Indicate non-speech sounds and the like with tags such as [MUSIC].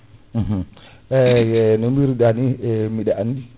[HESITATION] [HESITATION] [CLEARS THROAT] eyyi no biruɗani biɗa [HESITATION] andi